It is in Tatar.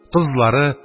Кызлары